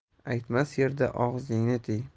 aytmas yerda og'zingni